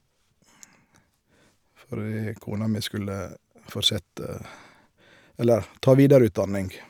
Fordi kona mi skulle fortsette eller ta videreutdanning.